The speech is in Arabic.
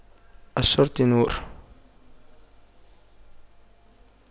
الشرط نور